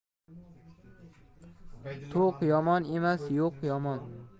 to'q yomon emas yo'q yomon